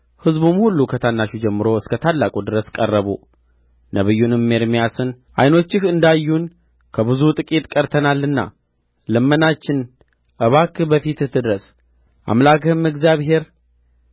ሕዝብም ሁሉ ከታናሹ ጀምሮ እስከ ታላቁ ድረስ ቀረቡ ነብዩንም ኤርምያስን ዓይኖችህ እንዳዩን ከብዙ ጥቂት ቀርተናልና ልመናችን እባክህ በፊትህ ትድረስ አምላክህም እግዚአብሔር